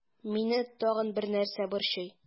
Мине тагын бер нәрсә борчый.